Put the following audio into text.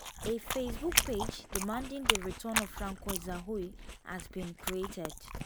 A Facebook page demanding the return of François Zahoui has been created.